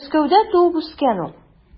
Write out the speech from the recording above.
Мәскәүдә туып үскән ул.